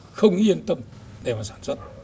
không yên tâm để mà sản xuất